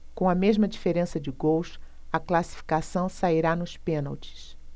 com a mesma diferença de gols a classificação sairá nos pênaltis